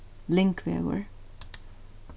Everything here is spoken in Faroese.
lyngvegur